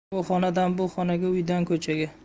u xonadan bu xonaga uydan ko'chaga